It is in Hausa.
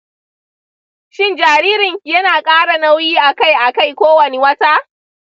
shin jaririnki yana ƙara nauyi a kai a kai kowane wata?